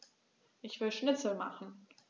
Ich will Schnitzel machen.